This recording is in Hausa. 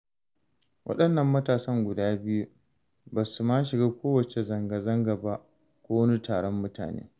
Waɗannan matasan guda biyu ba su ma shiga kowace zangazanga ba ko wani taron mutane.